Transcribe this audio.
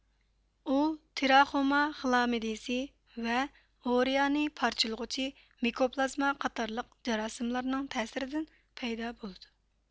ئۇ تراخوما خىلامديىسى ۋە ئۇرېئانى پارچىلىغۇچى مىكوپلازما قاتارلىق جاراسىملارنىڭ تەسىرىدىن پەيدا بولىدۇ